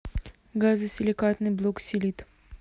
газосиликатный блок силит